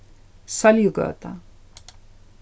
sóljugøta